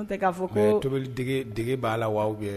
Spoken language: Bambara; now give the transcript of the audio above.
N'o tɛ k'a fɔ koo Tobili dege dege b'a la wa ou bien ?